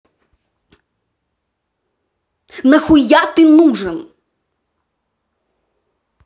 нахуя ты нужен